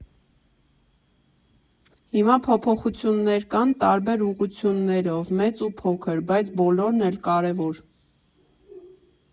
Հիմա փոփոխություններ կան տարբեր ուղղություններով, մեծ ու փոքր, բայց բոլորն էլ կարևոր։